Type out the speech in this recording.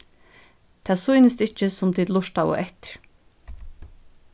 tað sýnist ikki sum tit lurtaðu eftir